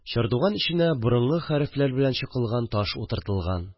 Чардуган эченә борынгы хәрефләр белән чокылган таш утыртылган